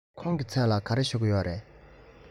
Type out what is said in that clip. ཁོང གི མཚན ལ ག རེ ཞུ གི ཡོད རེད